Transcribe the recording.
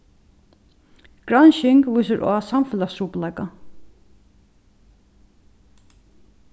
gransking vísir á samfelagstrupulleika